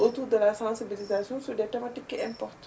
au tour de la sensibilisation sur des thèmatiques qui importe